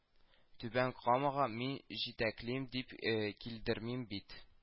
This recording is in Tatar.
Түбән Камага мин җитәклим дип килдермим бит